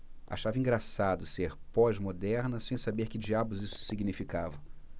achava engraçado ser pós-moderna sem saber que diabos isso significava